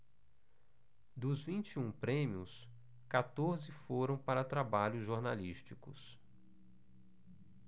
dos vinte e um prêmios quatorze foram para trabalhos jornalísticos